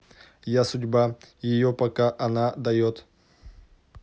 я судьбу ее пока она дает